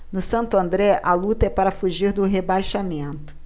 no santo andré a luta é para fugir do rebaixamento